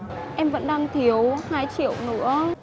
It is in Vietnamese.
em vẫn đang thiếu hai triệu nữa